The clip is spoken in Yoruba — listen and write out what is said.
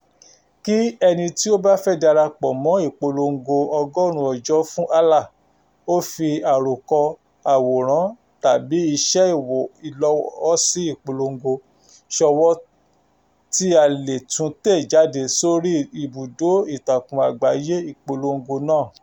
Kí ẹni tí ó bá fẹ́ darapọ̀ mọ́ ìpolongo "100 ọjọ́ fún Alaa" ó fi "àròkọ, àwòrán tàbí ìṣe ìlọ́wọ́sí ìpolongo" ṣọwọ́ tí a lè tún tẹ̀ jáde sórí ibùdó-ìtàkùn-àgbáyé ìpolongo náà: